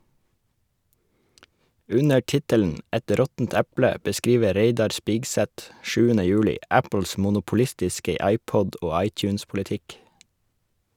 Under tittelen "Et råttent eple" beskriver Reidar Spigseth 7. juli Apples monopolistiske iPod- og iTunes-politikk.